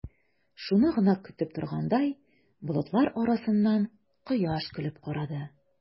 Шуны гына көтеп торгандай, болытлар арасыннан кояш көлеп карады.